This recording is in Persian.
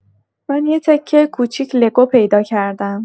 من یه تکه کوچیک لگو پیدا کردم.